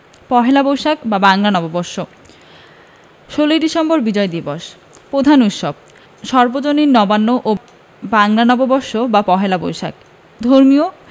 পহেলা বৈশাখ বা বাংলা নববর্ষ ১৬ই ডিসেম্বর বিজয় দিবস প্রধান উৎসবঃ সর্বজনীন নবান্ন ও বাংলা নববর্ষ বা পহেলা বৈশাখ ধর্মীয়